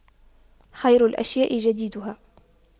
خير الأشياء جديدها